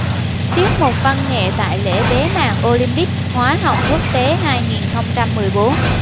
tiết mục văn nghệ tại lễ bế mạc olympic hóa học quốc tế hai nghìn không trăm mười bốn